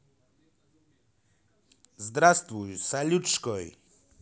здравствуй салют шкой